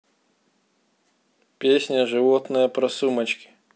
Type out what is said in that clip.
песня животное про сумочки